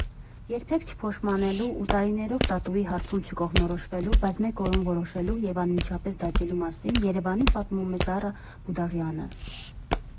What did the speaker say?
Երբեք չփոշմանելու ու տարիներով տատուի հարցում չկողմնորոշվելու, բայց մեկ օրում որոշելու և անմիջապես դաջելու մասին ԵՐԵՎԱՆԻՆ պատմում է Զառա Բուդաղյանը։